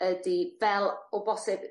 ydi fel o bosib